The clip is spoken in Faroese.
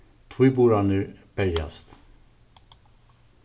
tvíburarnir berjast